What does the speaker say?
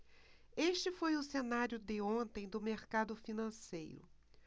este foi o cenário de ontem do mercado financeiro